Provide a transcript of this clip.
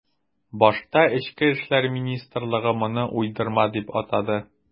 Башта эчке эшләр министрлыгы моны уйдырма дип атады.